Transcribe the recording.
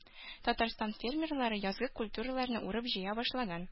Татарстан фермерлары язгы культураларны урып-җыя башлаган.